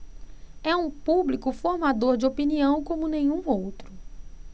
é um público formador de opinião como nenhum outro